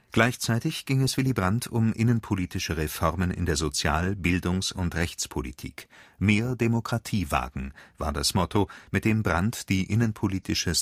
Gleichzeitig ging es ihm um innenpolitische Reformen in der Sozial -, Bildungs - und Rechtspolitik. „ Mehr Demokratie wagen “war das Motto, mit dem Brandt die innenpolitische